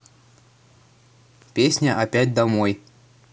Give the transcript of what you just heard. песня опять домой